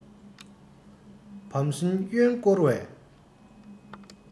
བམ སྲིང གཡོན སྐོར བས